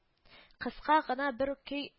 Кыска гына бер көй